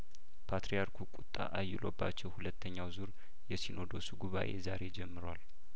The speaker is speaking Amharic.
ፓትርያርኩ ቁጣ አይሎባቸው ሁለተኛው ዙር የሲኖ ዱስ ጉባኤ ዛሬ ጀምሯል